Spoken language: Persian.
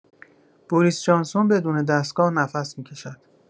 بوریس جانسون بدون دستگاه نفس می‌کشد.